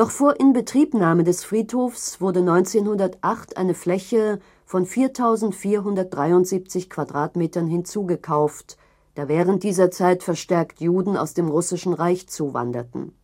vor Inbetriebnahme des Friedhofs wurde 1908 eine Fläche von 4.473 m² hinzugekauft, da während dieser Zeit verstärkt Juden aus dem Russischen Reich zuwanderten